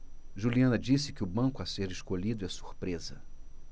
juliana disse que o banco a ser escolhido é surpresa